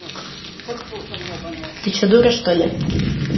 ты че дура что ли